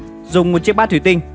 dùng chiếc bát thủy tinh